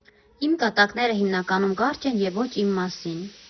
Իմ կատակները հիմնականում կարճ են և ոչ իմ մասին։